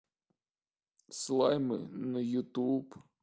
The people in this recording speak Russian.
слаймы на ютуб